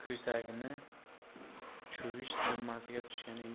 pud ko'sakni chuvish zimmamizga tushgan emish